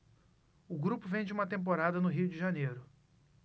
o grupo vem de uma temporada no rio de janeiro